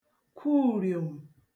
kwuùrìom̀